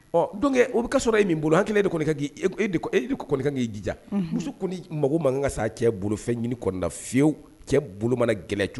Ɔ donc o bɛ ka sɔrɔ, e min bolo, n hakili la, e kɔni de k'i jija, unhun, muso kɔni mago ma kan ka sa cɛ bolofɛn ɲini kɔnna fiyewu, cɛ bolo ma na gɛlɛya cogo